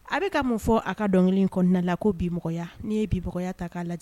A bɛ ka mun fɔ a ka dɔnkili kelen kɔnɔna na la ko bimɔgɔya n'i ye bimɔgɔya ta k'a lajɛ